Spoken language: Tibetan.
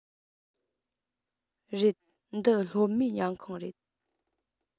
རེད འདི སློབ མའི ཉལ ཁང རེད